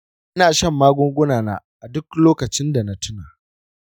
ina shan magunguna na a duk lokacin da na tuna.